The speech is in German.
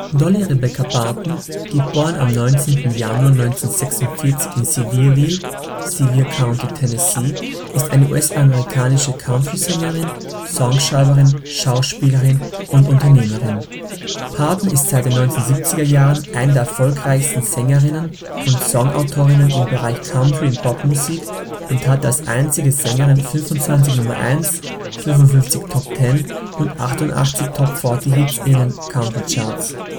Dolly Rebecca Parton (* 19. Januar 1946 in Sevierville, Sevier County, Tennessee) ist eine US-amerikanische Country-Sängerin, Songschreiberin, Schauspielerin und Unternehmerin. Parton ist seit den 1970er Jahren eine der erfolgreichsten Sängerinnen und Songautorinnen im Bereich Country - und Popmusik und hatte als einzige Sängerin 25 Nummer-eins -, 55 Top-10 - und 88 Top-40-Hits in den Country-Charts